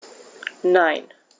Nein.